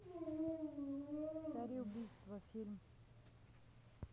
цареубийство фильм